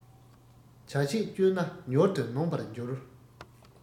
བྱ བྱེད བཅོལ ན མྱུར དུ ནོངས པར འགྱུར